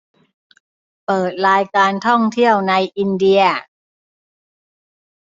เปิดรายการท่องเที่ยวในอินเดีย